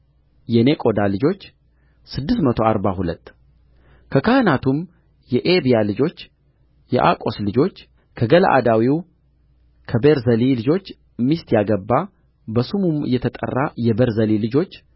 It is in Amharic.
የኔቆዳ ልጆች ስድስት መቶ አርባ ሁለት ከካህናቱም የኤብያ ልጆች የአቆስ ልጆች ከገለዓዳዊው ከቤርዜሊ ልጆች ሚስት ያገባ በስሙም የተጠራ የቤርዜሊ ልጆች